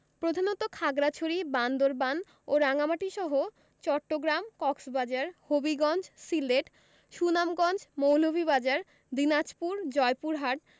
প্রধানত খাগড়াছড়ি বান্দরবান ও রাঙ্গামাটিসহ চট্টগ্রাম কক্সবাজার হবিগঞ্জ সিলেট সুনামগঞ্জ মৌলভীবাজার দিনাজপুর জয়পুরহাট